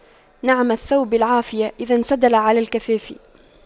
نعم الثوب العافية إذا انسدل على الكفاف